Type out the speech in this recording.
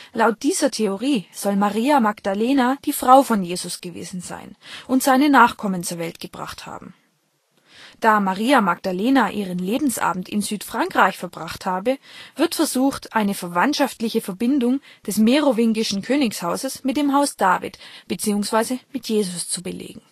Laut dieser Theorie soll Maria Magdalena die Frau von Jesus gewesen sein und seine Nachkommen zur Welt gebracht haben. Da Maria Magdalena ihren Lebensabend in Südfrankreich verbracht habe, wird versucht, eine verwandtschaftliche Verbindung des merowingischen Königshauses mit dem Haus David bzw. Jesus zu belegen